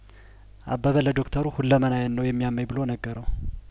አበበ ለዶክተሩ ሁለመናዬን ነው የሚያመኝ ብሎ ነገረው